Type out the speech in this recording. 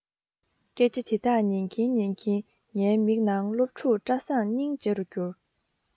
སྐད ཆ འདི དག ཉན གྱིན ཉན གྱིན ངའི མིག ནང སློབ ཕྲུག བཀྲ བཟང སྙིང རྗེ རུ གྱུར